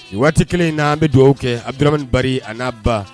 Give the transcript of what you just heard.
Waati kelen in na an bɛ dugawu kɛ an bimani ba a n'a ba